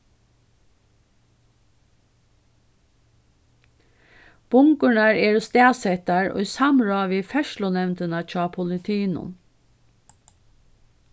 bungurnar eru staðsettar í samráð við ferðslunevndina hjá politinum